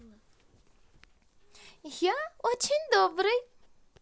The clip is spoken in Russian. я очень добрый